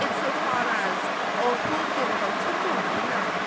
insofar as, oedd bob dim o fel "Tomorrow night."